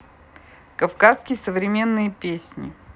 кавказские современные песни